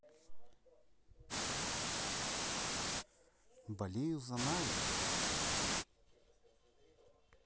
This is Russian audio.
болею за нави